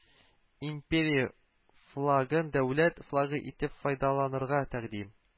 Империя флагын дәүләт флагы итеп файдаланырга тәкъдим